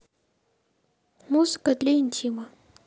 музыка для интима